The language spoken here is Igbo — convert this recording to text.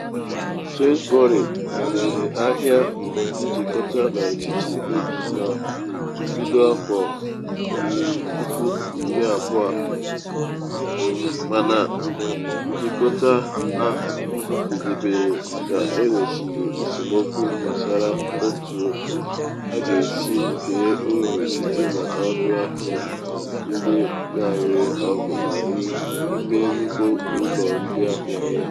Sainsbury nwalere ahịa njikọta n’etiti Boots na mbido 2000, mana njikọta ahụ jedebere ka enwesịrị esemokwu gbasara otu a ga-esi kee uru si na ọdụ ahịa ndị na ere ọgwụ n’ime nnukwu ụlọ ndị ahịa ya.